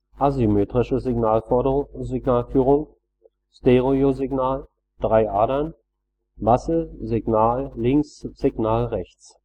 Asymmetrische Signalführung: Stereosignal, drei Adern: Masse, Signal links, Signal rechts